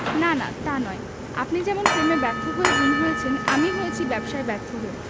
না না তা নয় আপনি যেমন প্রেমে ব্যর্থ হয়ে গুম হয়েছেন আমি হয়েছি ব্যবসায় ব্যর্থ হয়ে